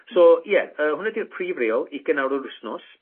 So ie yy hwnna 'di'r prif reol ugen awr yr wsnos.